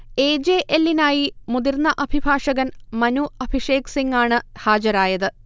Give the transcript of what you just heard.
A. J. എല്ലിനായി മുതിർന്ന അഭിഭാഷകൻ മനു അഭിഷേക് സിങ്ങാണ് ഹാജരായത്